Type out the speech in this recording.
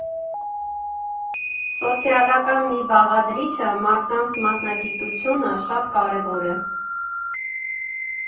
Սոցիալական մի բաղադրիչը՝ մարդկանց մասնագիտությունը, շատ կարևոր է։